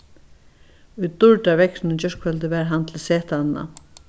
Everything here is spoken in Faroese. í dýrdarveðrinum í gjárkvøldið var hann til setanina